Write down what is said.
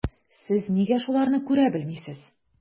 Сез нигә шуларны күрә белмисез?